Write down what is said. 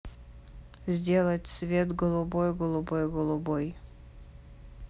сделать цвет голубой голубой голубой